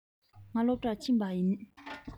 ང སློབ གྲྭར ཕྱིན པ ཡིན